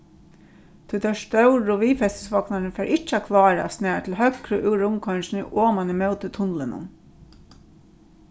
tí teir stóru viðfestisvognarnir fara ikki at klára at snara til høgru úr rundkoyringini oman ímóti tunlinum